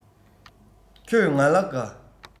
ཁྱོད ང ལ དགའ